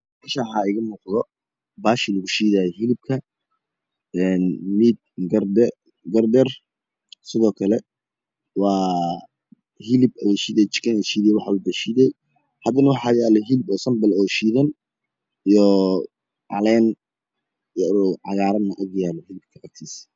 Meshaan waxaa iga muuqada bashii lagu shiday hiliaka beerka sudookle hilip lashiidy jikin waxaa jaloo yalo halip shiidan iyo caleen cagaar ah agtaalo hilipka agtiisa